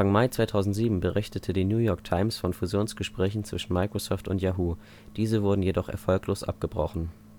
Mai 2007 berichtete die New York Times von Fusionsgesprächen zwischen Microsoft und Yahoo, diese wurden jedoch erfolglos abgebrochen